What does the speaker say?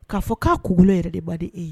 K'a fɔ k'augukolo yɛrɛ de ba de e ye